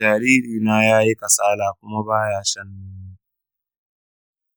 jaririna yayi kasala kuma baya shan nono.